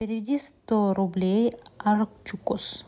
переведи сто рублей арчукос